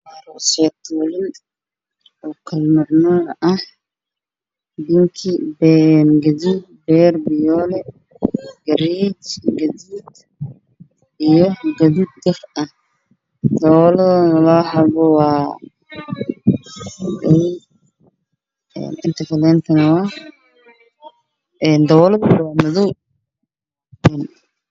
Waa rooseetooyin oo kale nuuc ah sida bingi, beer, gaduud, fiyoole, gariije, gaduud, dabooladuna waa madow.